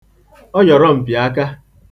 ọyọ̀rọm̀pị̀aka